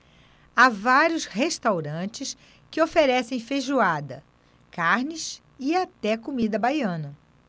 há vários restaurantes que oferecem feijoada carnes e até comida baiana